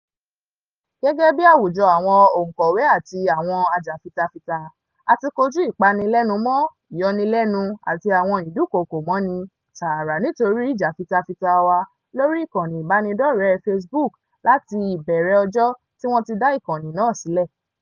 Gẹ́gẹ́ bíi àwùjọ àwọn ọ̀ǹkọ̀wé àti àwọn ajàfitafita, a ti kojú ìpanilẹ́numọ́, ìyọnilẹ́nu àti àwọn ìdúnkòokòmọ́ni tààrà nítorí ìjàfitafita wa lórí ìkànnì ìbánidọ́rẹ̀ẹ́ Facebook láti ìbẹ̀rẹ̀ ọjọ́ tí wọ́n ti dá ìkànnì náà sílẹ̀.